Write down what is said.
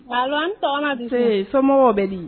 Baba tɔɔrɔ dɛsɛ somɔgɔw bɛ di